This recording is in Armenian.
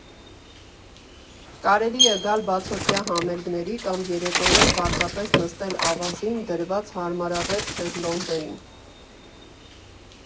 Կարելի է գալ բացօթյա համերգների կամ երեկոյան պարզապես նստել ավազին դրված հարմարավետ շեզլոնգներին։